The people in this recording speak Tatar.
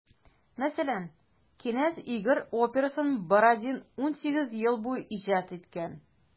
Мәсәлән, «Кенәз Игорь» операсын Бородин 18 ел буе иҗат иткән.